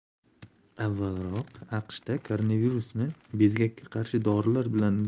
avvalroq aqshda koronavirusni bezgakka qarshi dorilar bilan